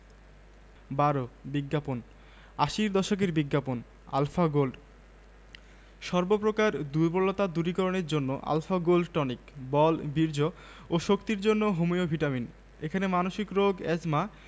ভেড়াটার উপর কোন হামলা না চালিয়ে বরং কিছু যুক্তি তক্ক দিয়ে সেটাকে বুঝিয়ে দেওয়া যাক যে ভেড়াটাকে খাওয়ার ব্যাপারটা নেকড়ের হক এর মধ্যেই পড়ে সে ভেড়াটাকে বলল এই যে মশাই